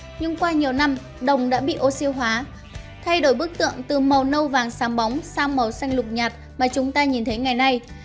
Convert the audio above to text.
nhưng qua nhiều năm đồng đã bị oxy hóa thay đổi bức tượng màu từ màu nâu vàng sáng bóng sang màu xanh lục nhạt mà chúng ta nhìn thấy ngày nay